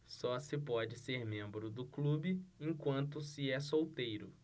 só se pode ser membro do clube enquanto se é solteiro